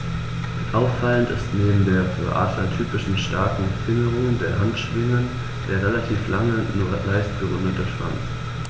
Auffallend ist neben der für Adler typischen starken Fingerung der Handschwingen der relativ lange, nur leicht gerundete Schwanz.